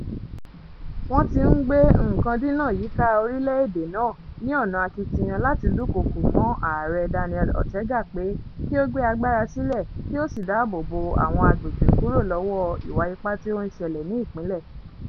Wọ́n ti ń gbé nǹkan dínà yíká orílẹ̀-èdè náà ni ọ̀nà akitiyan láti dúnkòokò mọ́ Ààrẹ Daniel Ortega pé kí ó gbé agbára sílẹ̀ kí ó sì dáàbòbo àwọn agbègbè kúrò lọ́wọ́ ìwà ipá tí ó ń ṣẹlẹ̀ ní ìpínlẹ̀.